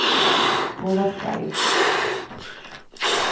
hon var skeiv